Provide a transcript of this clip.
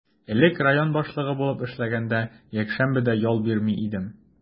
Элек район башлыгы булып эшләгәндә, якшәмбе дә ял бирми идем.